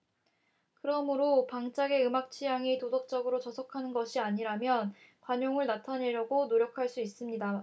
그러므로 방짝의 음악 취향이 도덕적으로 저속한 것이 아니라면 관용을 나타내려고 노력할 수 있습니다